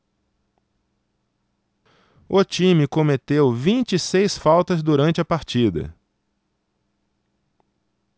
o time cometeu vinte e seis faltas durante a partida